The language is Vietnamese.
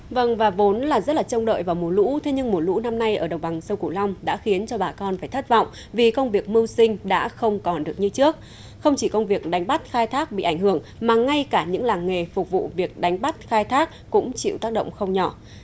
vâng và vốn là rất là trông đợi vào mùa lũ thế nhưng mùa lũ năm nay ở đồng bằng sông cửu long đã khiến cho bà con phải thất vọng vì công việc mưu sinh đã không còn được như trước không chỉ công việc đánh bắt khai thác bị ảnh hưởng mà ngay cả những làng nghề phục vụ việc đánh bắt khai thác cũng chịu tác động không nhỏ